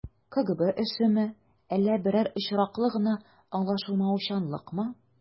КГБ эшеме, әллә берәр очраклы гына аңлашылмаучанлыкмы?